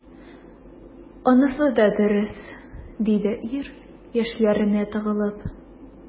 Анысы да дөрес,— диде ир, яшьләренә тыгылып.